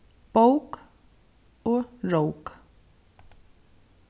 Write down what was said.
bók og rók